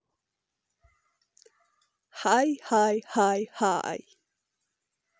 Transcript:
хай хай хай хай